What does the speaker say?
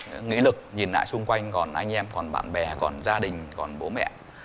nghị lực nhìn lại xung quanh còn anh em còn bạn bè còn gia đình còn bố mẹ